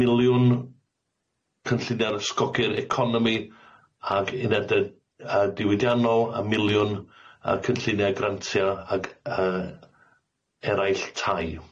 miliwn cynlluniau'r ysgogi'r economi ag uned yy yy diwydiannol a miliwn yy cynlluniau grantia ag yy eraill tai.